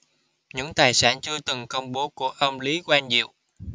những tài sản chưa từng công bố của ông lý quang diệu